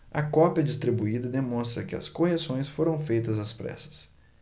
a cópia distribuída demonstra que as correções foram feitas às pressas